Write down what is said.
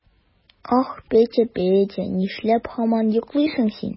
Ах, Петя, Петя, нишләп һаман йоклыйсың син?